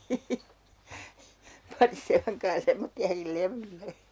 pankaa semmoisiakin levylle